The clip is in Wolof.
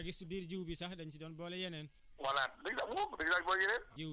voilà moo tax um jafe léegi ba nga ëpp waaye waaye liñ liñ ci wax moom picc dàq rek